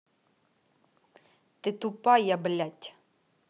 ты тупая блядь